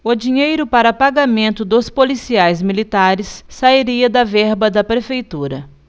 o dinheiro para pagamento dos policiais militares sairia de verba da prefeitura